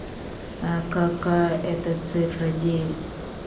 а какая это цифра девять